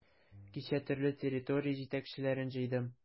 Кичә төрле территория җитәкчеләрен җыйдым.